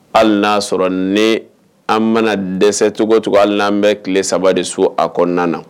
Hali n'a sɔrɔ ni an mana dɛsɛ cogo o cogo hali n'an bɛ kile saba de so a kɔnɔna na.